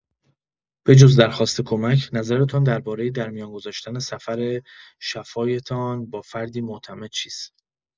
به‌جز درخواست کمک، نظرتان درباره در میان گذاشتن سفر شفایتان با فردی معتمد چیست؟